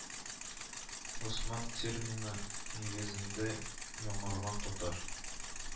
Госман термины нигезендә яңарган татар